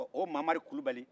ɔ o mamari kulubali